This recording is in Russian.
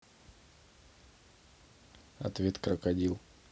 ответ крокодил